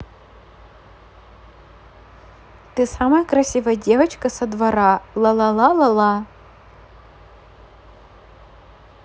ты самая красивая девочка со двора ла ла ла ла ла